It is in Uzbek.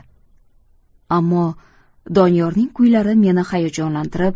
ammo doniyorning kuylari meni hayajonlantirib